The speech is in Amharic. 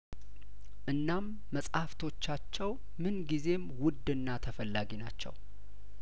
እናም መጽሀፍቶቻቸው ምን ጊዜም ውድና ተፈላጊ ናቸው